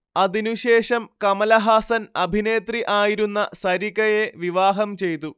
അതിനുശേഷം കമലഹാസൻ അഭിനേത്രി ആയിരുന്ന സരികയെ വിവാഹം ചെയ്തു